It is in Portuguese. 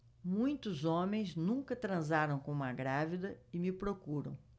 muitos homens nunca transaram com uma grávida e me procuram